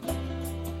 San